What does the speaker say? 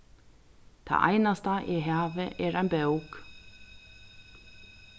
tað einasti eg havi er ein bók